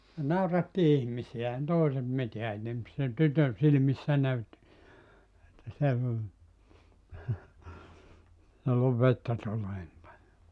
se nauratti ihmisiä eihän toiset mitään ei ne mutta sen tytön silmissä näytti että se - jolloin vettä tulee niin paljon